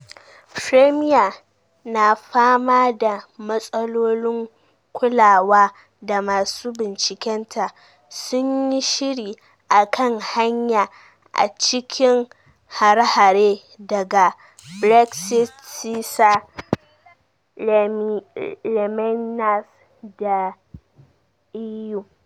Fremiya na fama da matsalolin kulawa da masu bincikenta sunyi shiri akan hanya a cikin hare-hare daga Brexiteers, Remainers da EU.